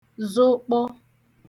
zokpọ